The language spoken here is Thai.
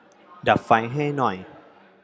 ดับไฟให้หน่อย